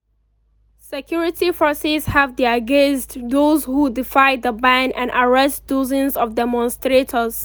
Security forces have tear gassed those who defy the ban, and arrested dozens of demonstrators.